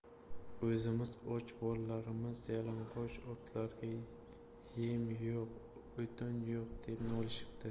o'zimiz och bolalarimiz yalang'och otlarga yem yo'q o'tin yo'q deb nolishibdi